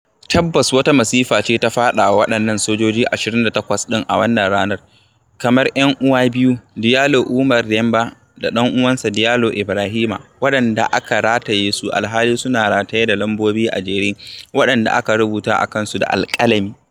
Tabbas, wata masifa ce ta faɗawa waɗannan sojoji 28 ɗin a wannan ranar. Kamar 'yan'uwa biyu, Diallo Oumar Demba da ɗan'uwansa Diallo Ibrahima, waɗanda aka rataye su alhali suna rataye da lambobi a jere waɗanda aka rubuta a kansu da alƙalami.